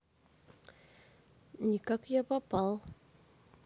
никак я попал